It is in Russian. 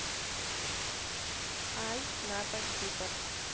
ай напа кипр